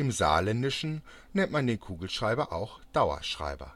Saarländischen nennt man den Kugelschreiber auch Dauerschreiber